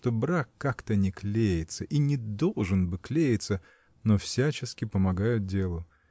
что брак как-то не клеится и не должен бы клеиться но всячески помогают делу.